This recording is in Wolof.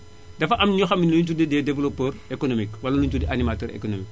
dafa am ñoo xam ne ñi énu tuddee des développeur économique wala éni ñu tuddee animateur économique